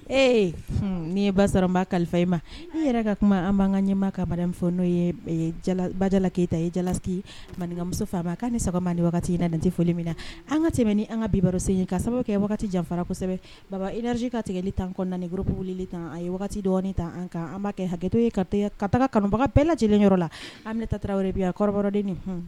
Ee n' ye ba sɔrɔ n' kalifa e ma i yɛrɛ ka kuma an' ka ɲɛmaa ka fɔ n'o ye ba jala keyita ye jalaki maninkanmuso faaba' ni sabama ni wagati i na n tɛ foli min na an ka tɛmɛ ni an ka bibaro sen ye ka sababu kɛ wagati janfa kosɛbɛ baba irzsi ka tigɛli tan kɔnɔnaani gp wuli tan a ye dɔ ta an an b'a kɛ hakɛto taga kanubaga bɛɛ la lajɛlenyɔrɔ la an bɛna tata yɔrɔ bi kɔrɔden min